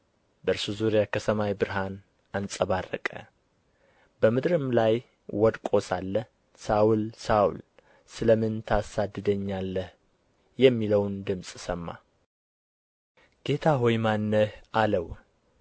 በእርሱ ዙሪያ ከሰማይ ብርሃን አንጸባረቀ በምድርም ላይ ወድቆ ሳለ ሳውል ሳውል ስለ ምን ታሳድደኛለህ የሚለውን ድምፅ ሰማ ጌታ ሆይ ማን ነህ አለው